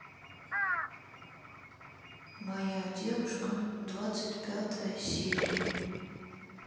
моя девушка двадцать пятая серия